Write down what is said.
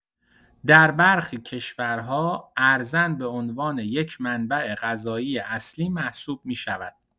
در برخی کشورها، ارزن به عنوان یک منبع غذایی اصلی محسوب می‌شود.